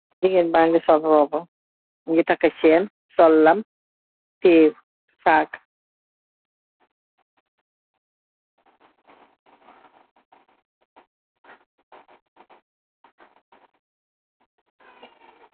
Jigéen baañgi roobam, mu ngi takë ceen, sol lam, tiye saac.